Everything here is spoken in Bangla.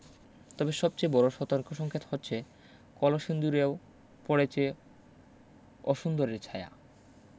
তবে সবচেয়ে বড় সতর্কসংকেত হচ্ছে কলসিন্দুরেও পড়েচে অসুন্দরের ছায়া